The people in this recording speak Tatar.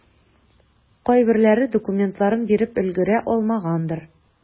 Кайберләре документларын биреп өлгерә алмагандыр.